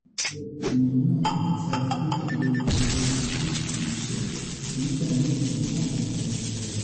Sibẹsibẹ, ipolongo naa, eyi ti a ti gbejade lori oju ewe Facebook ti ile-iṣẹ, ti mu ki ariyanjiyan wa ni ayelujara.